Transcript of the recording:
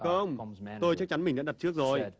không tôi chắc chắn mình đã đặt trước rồi